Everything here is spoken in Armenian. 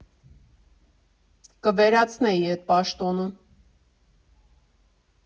Կվերացնեի էդ պաշտոնը։